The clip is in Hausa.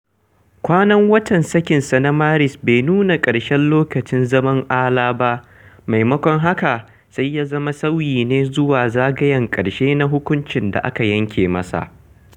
Kwanan watan sakinsa na Maris bai nuna ƙarshen lokacin zaman Alaa ba, maimakon haka, sai ya zama sauyi ne zuwa zagayen ƙarshe na hukuncin da aka yanke masa.